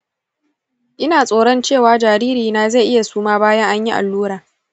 ina tsoron cewa jaririna zai iya suma bayan anyi allura.